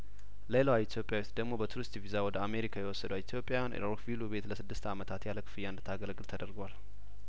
ሌላዋ ኢትዮጵያዊት ደግሞ በቱሪስት ቪዛ ወደ አሜሪካ የወሰዷት ኢትዮጵያውያን ሮክቪሉ ቤት ለስድስት አመታት ያለክፍያ እንድታገለግል ተደርጓል